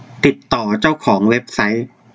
ติดต่อเจ้าของเว็บไซต์